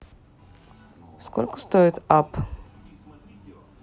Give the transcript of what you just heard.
сколько стоит апп